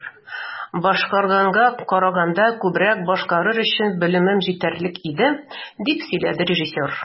"башкарганга караганда күбрәк башкарыр өчен белемем җитәрлек иде", - дип сөйләде режиссер.